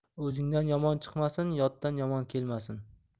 o'zingdan yomon chiqmasin yotdan yomon kelmasin